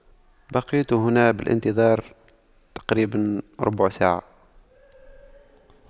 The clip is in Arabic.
بقيت هنا بالانتظار تقريبا ربع ساعة